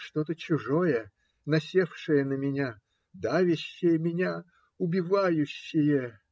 что-то чужое, насевшее на меня, давящее меня, убивающее.